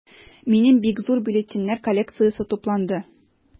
Минем бик зур бюллетеньнәр коллекциясе тупланды.